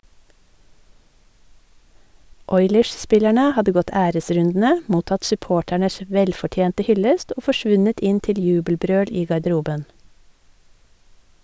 Oilers-spillerne hadde gått æresrundene, mottatt supporternes velfortjente hyllest og forsvunnet inn til jubelbrøl i garderoben.